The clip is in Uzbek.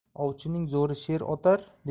ovchining zo'ri sher otar